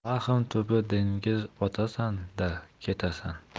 vahm tubi dengiz botasan da ketasan